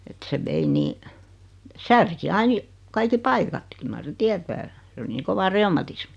että se vei niin särki aina ja kaikki paikat kyllä mar sen tietää se oli niin kova reumatismi